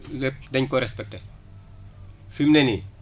lépp dañ ko respecté fi mu ne nii